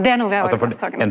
det er noko vi har .